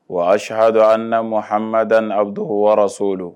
Wa sihadu an na ma hamada abu don wɔɔrɔso don